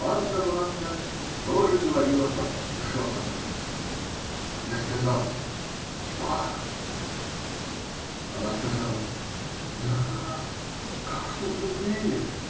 Панна Ванда тоже говорила почти шепотом. Я сказал: -- Тьма. Она сказала: -- Дда. Как в том туннеле.